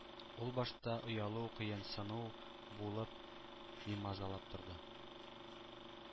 Ул баштарак оялу, кыенсыну булып бимазалап торды,